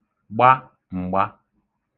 gba m̀gbā